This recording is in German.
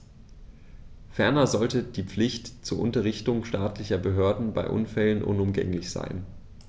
Ferner sollte die Pflicht zur Unterrichtung staatlicher Behörden bei Unfällen unumgänglich sein.